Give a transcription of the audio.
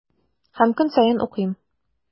Һәм көн саен укыйм.